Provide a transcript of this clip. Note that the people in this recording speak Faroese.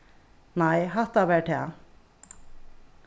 nei hatta var tað